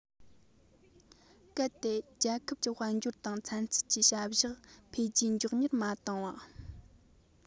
གལ ཏེ རང རྒྱལ གྱི དཔལ འབྱོར དང ཚན རྩལ གྱི བྱ གཞག འཕེལ རྒྱས མགྱོགས མྱུར མ བཏང བ